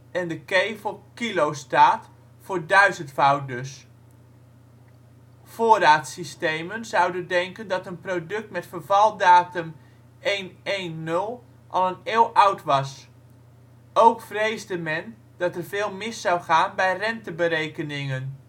en de K voor kilo staat, voor een duizendvoud dus. Voorraadsystemen zouden denken dat een product met vervaldatum 01-01-00 al een eeuw oud was. Ook vreesde men dat er veel mis zou gaan bij renteberekeningen